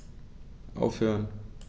Aufhören.